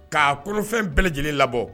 K'a kolonfɛn bɛɛ lajɛleneni labɔ